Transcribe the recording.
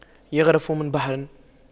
يَغْرِفُ من بحر